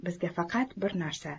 bizga faqat bir narsa